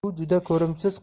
u juda ko'rimsiz